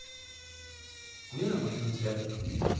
у меня нормально у тебя как